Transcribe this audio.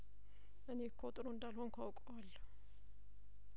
እኔ እኮ ጥሩ እንዳል ሆንኩ አውቀዋለሁ